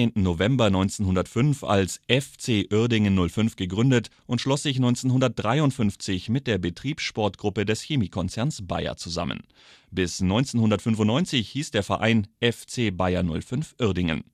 November 1905 als FC Uerdingen 05 gegründet und schloss sich 1953 mit der Betriebssportgruppe des Chemiekonzerns Bayer zusammen. Bis 1995 hieß der Verein FC Bayer 05 Uerdingen